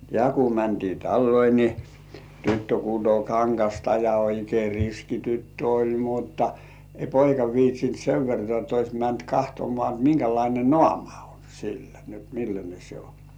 ja kun mentiin taloihin niin tyttö kutoi kangasta ja oikein riski tyttö oli mutta ei poika viitsinyt sen vertaa että olisi mennyt katsomaan jotta minkälainen naama on sillä niin jotta millainen se on